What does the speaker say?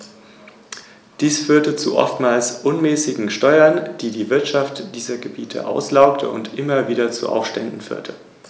Der Bauch, das Gesicht und die Gliedmaßen sind bei den Stacheligeln mit Fell bedeckt.